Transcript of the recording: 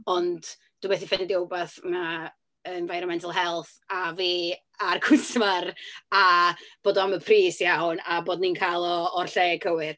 Ond dwi methu ffeindio rywbeth ma' environmental health a fi a'r cwsmer, a bod o am y pris iawn, a bod ni'n cael o o'r lle cywir.